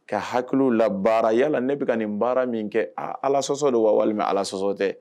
Ka hakili labaara yala ne bɛka nin baara min kɛ, aa , allah sɔsɔ don wa walima allah sɔsɔ tɛ.